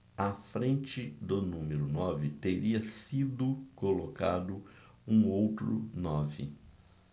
à frente do número nove teria sido colocado um outro nove